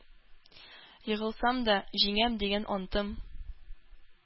Егылсам да, «җиңәм» дигән антым